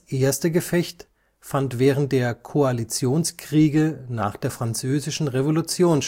erste Gefecht fand während der Koalitionskriege nach der Französischen Revolution